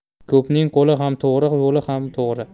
ko'pning qo'li ham to'g'ri yo'li ham to'g'ri